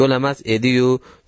yo'lamas ediyu